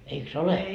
eikös ole